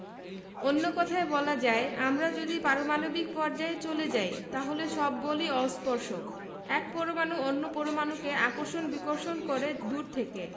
অন্য কথায় বলা যায় আমরা যদি পারমাণবিক পর্যায়ে চলে যাই তাহলে সব বলই অস্পর্শক এক পরমাণু অন্য পরমাণুকে আকর্ষণ বিকর্ষণ করে দূর থেকে